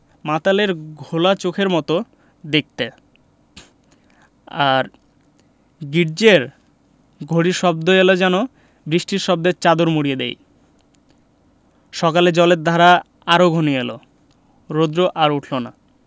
মাতালের ঘোলা চোখের মত দেখতে আর গির্জ্জের ঘড়ির শব্দ এল যেন বৃষ্টির শব্দের চাদর মুড়ি দিয়ে সকালে জলের ধারা আরো ঘনিয়ে এল রোদ্র আর উঠল না